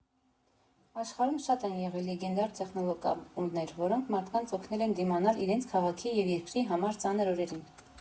Աշխարհում շատ են եղել լեգենդար տեխնո֊ակումբներ, որոնք մարդկանց օգնել են դիմանալ իրենց քաղաքի և երկրի համար ծանր օրերին։